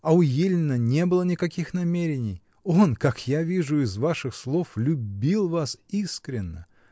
А у Ельнина не было никаких намерений, он, как я вижу из ваших слов, любил вас искренно.